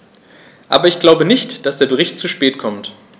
Aber ich glaube nicht, dass der Bericht zu spät kommt.